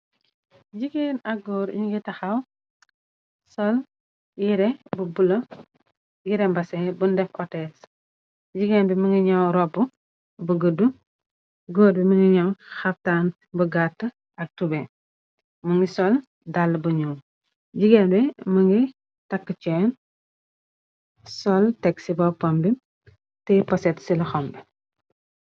Jigéen ak góor ñu ngi taxaw sol yire bu bula yirembase bu ndef otees jigéan bi më ngi ñaw ropp bu gëdd goor bi mëngi ñam xaftaan bu gàtt ak tube më ngi sol dàll bu ñu jigaen bi më ngi tàkkceen sol teg ci boppam bi te poset ci la xom bi.